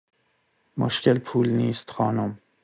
مشکل پول نیست خانم.